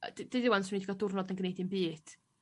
Yy deu- deud di 'wan 'swn i 'di ga'l diwrnod yn gneud dim byd